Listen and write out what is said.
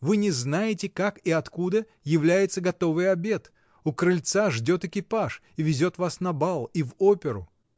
Вы не знаете, как и откуда является готовый обед, у крыльца ждет экипаж и везет вас на бал и в оперу.